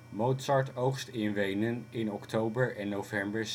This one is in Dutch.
Mozart oogst in Wenen in oktober en november